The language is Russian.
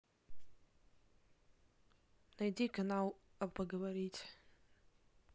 найди канал а поговорить